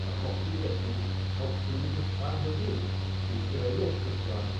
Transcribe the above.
ma'n bosib wedyn helpu'n nhwtha hefyd i greu erthygla